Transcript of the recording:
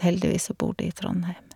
Heldigvis så bor de i Trondheim.